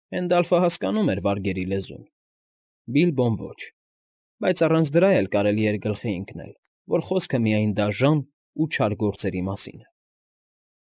Հենդալֆը հասկանում էր վարգերի լեզուն, Բիլբոն՝ ոչ, բայց առանց դրա էլ կարելի էր գլխի ընկնել, որ խոսքը միայն դաժան ու չար գործերի մասին է։